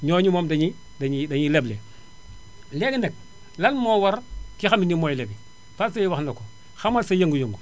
ñooñu moom dañuy dañuy dañuy leble léegi nag lan moo war ki nga xam ne nii mooy lebi Fatou Seye wax na ko xamal sa yëngu-yëngu